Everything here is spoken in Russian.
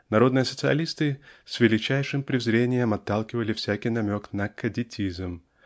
Народные социалисты с величайшим презрением отталкивали всякий намек на кадетизм.